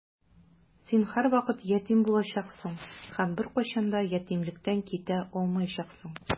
Син һәрвакыт ятим булачаксың һәм беркайчан да ятимлектән китә алмаячаксың.